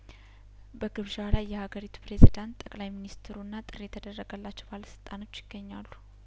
በግብዣ ላይ የሀገሪቱ ፕሬዚዳንት ጠቅላይ ሚኒስትሩና ጥሪ የተደረገላቸው ባለስልጣኖች ይገኛሉ